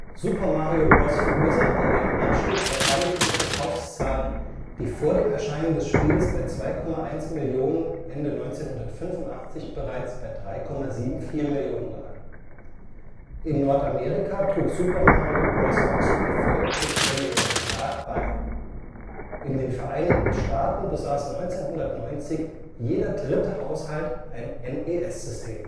Super Mario Bros. verursachte einen Anstieg der Famicom-Verkaufszahlen, die vor dem Erscheinen des Spiels bei 2,1 Millionen, Ende 1985 bereits bei 3,74 Millionen lagen. In Nordamerika trug Super Mario Bros. auch zum Erfolg des NES stark bei; in den Vereinigten Staaten besaß 1990 jeder dritte Haushalt ein NES-System